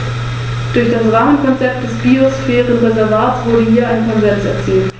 Landkreise, Kommunen, Vereine, Verbände, Fachbehörden, die Privatwirtschaft und die Verbraucher sollen hierzu ihren bestmöglichen Beitrag leisten.